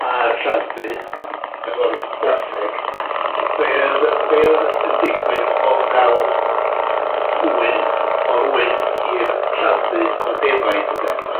a'r lladd-dy efo'r gwartheg be-odd- be-odd yn digwydd o ga'l ŵyn o'r ŵyn i'r lladd-dy efo defaid ynde?